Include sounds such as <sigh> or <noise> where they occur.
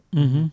<hesitation> <hesitation>